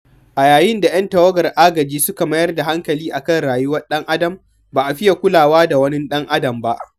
A yayin da 'yan tawagar agaji suka mayar da hankali a kan rayuwar ɗan-adam, ba a fiya kulawa da wanin dan-adam ba.